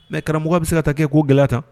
Mɛ karamɔgɔ bɛ se ka ta kɛ ko gɛlɛ tan